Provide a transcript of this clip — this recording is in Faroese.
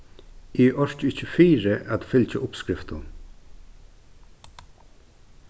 eg orki ikki fyri at fylgja uppskriftum